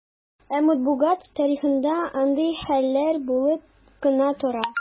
Ә матбугат тарихында андый хәлләр булып кына тора.